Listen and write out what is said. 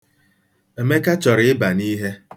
Emeka chọrọ ịba n'ihe.